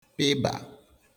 pịbà